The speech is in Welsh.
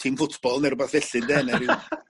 tîm fwtbol ne' rwbath felly ynde... ne' ryw...